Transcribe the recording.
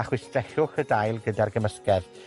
a chwistrellwch y dail gyda'r gymysgedd.